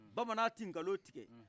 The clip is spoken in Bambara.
bamanan ti kalo tikɛ